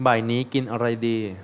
บ่ายนี้กินอะไรดี